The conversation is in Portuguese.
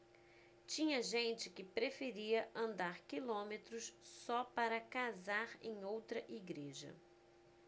tinha gente que preferia andar quilômetros só para casar em outra igreja